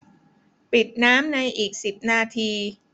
ปิดน้ำในอีกสิบนาที